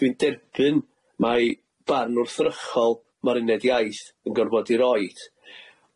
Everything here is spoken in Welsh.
dwi'n derbyn mai barn wrthrychol ma'r uned iaith yn gorfod ei roid,